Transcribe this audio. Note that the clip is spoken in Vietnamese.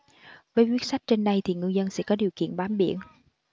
với quyết sách trên đây thì ngư dân sẽ có điều kiện bám biển